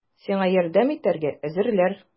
Сиңа ярдәм итәргә әзерләр!